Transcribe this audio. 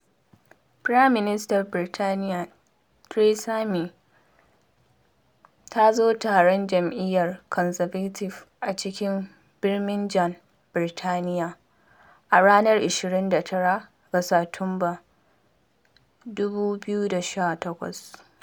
Firaministan Birtaniyya Theresa May ta zo Taron Jam’iyyar Conservative a cikin Birmingham, Birtaniyya, a ranar 29 ga Satumba, 2018.